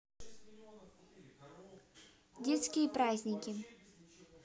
детские праздники